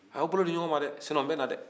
a' y'aw bolo di ɲɔgɔn ma dɛ sinon n bɛ na dɛ